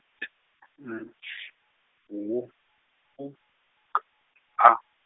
T S W U K A.